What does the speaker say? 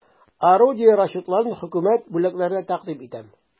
Орудие расчетларын хөкүмәт бүләкләренә тәкъдим итәм.